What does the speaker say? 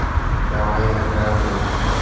давай заказывать